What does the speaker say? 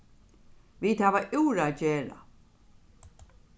vit hava úr at gera